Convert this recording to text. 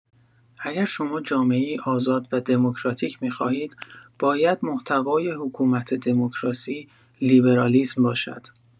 اگر شما جامعه‌ای آزاد و دموکراتیک می‌خواهید، باید محتوای حکومت دموکراسی لیبرالیسم باشد.